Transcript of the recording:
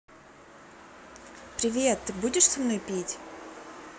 привет ты будешь со мной пить